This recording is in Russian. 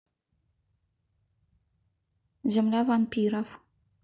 земля вампиров